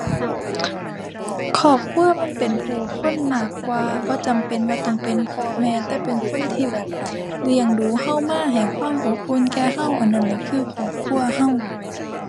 ครอบครัวมันเป็นผู้คนมากกว่า บ่จำเป็นว่าต้องเป็นพ่อแม่ แต่เป็นคนที่แบบ เลี้ยงดูเรามา ให้ความอบอุ่นแก่เรา อันนั้นล่ะคือครอบครัวเรา